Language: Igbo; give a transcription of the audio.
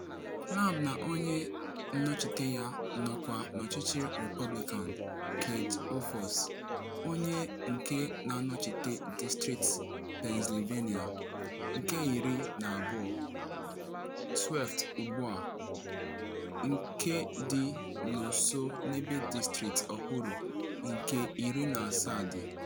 Lamb na onye nnọchite ya nọkwa n’ọchịchị, Repọblikan Keith Rothfus, onye nke na-anọchite distrit Pennsylvania nke iri na abụọ 12th ugbua, nke dị nso n'ebe distrit ọhụrụ nke iri na asaa dị.